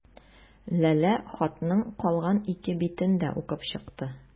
Ләлә хатның калган ике битен дә укып чыкты.